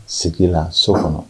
Sigi la so kɔnɔ